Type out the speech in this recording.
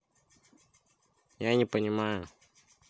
я не понимаю